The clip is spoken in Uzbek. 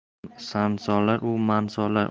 sansolar u mansolar